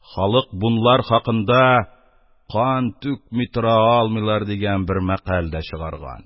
Алык бунлар хакында «кан түкми тора алмыйлар» дигән бер мәкаль дә чыгарган.